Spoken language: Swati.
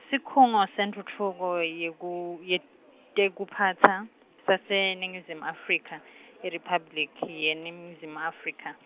sikhungo sentfutfuko yeku-, yeTekuphatsa, saseNingizimu Afrika IRiphabliki, yeNingizimu Afrika.